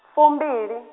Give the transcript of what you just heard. fumbili.